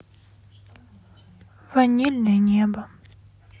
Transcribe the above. ванильное небо